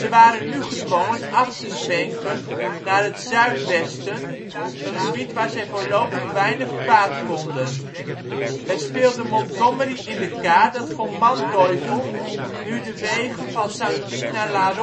waren nu gedwongen af te zwenken naar het zuidwesten, een gebied waar zij voorlopig weinig kwaad konden. Het speelde Montgomery in de kaart dat von Manteuffel nu de wegen van Sankt Vith naar La